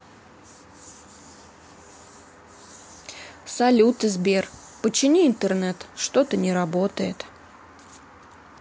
салют сбер почини интернет что то не работает